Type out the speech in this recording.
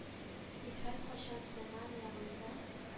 Тик һәркайчан сулган яңагымда